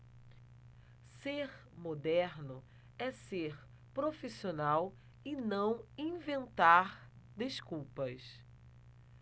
ser moderno é ser profissional e não inventar desculpas